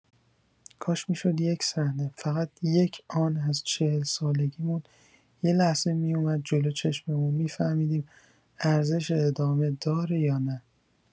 کاش می‌شد یک صحنه، فقط یک آن از چهل سالگیمون یه لحظه میومد جلو چشممون، می‌فهمیدیم ارزش ادامه داره یا نه